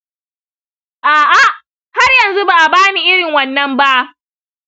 a’a, har yanzu ba a ba ni irin wannan ba.